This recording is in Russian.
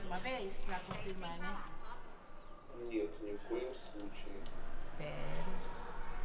нет ни в коем случае